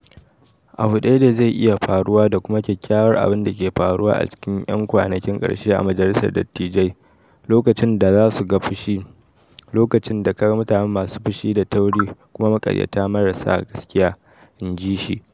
"Abu daya da zai iya faruwa da kuma kyakkyawar abin da ke faruwa a cikin 'yan kwanakin karshe a Majalisar Dattijai, lokacin da su ka ga fushi, lokacin da ka ga mutanen masu fushi da tauri kuma maƙaryata marar sa gaskiya," in ji shi.